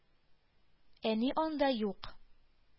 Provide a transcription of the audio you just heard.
Әни анда юк.